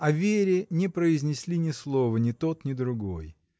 О Вере не произнесли ни слова ни тот ни другой.